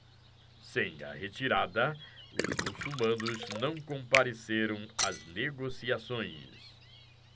sem a retirada os muçulmanos não compareceram às negociações